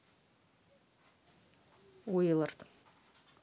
уиллард